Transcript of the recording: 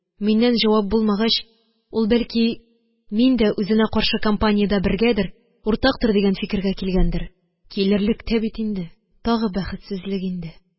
Миннән җавап булмагач, ул, бәлки, мин дә үзенә каршы кампаниядә бергәдер, уртактыр дигән фикергә килгәндер. Килерлек тә бит инде... Тагы бәхетсезлек инде.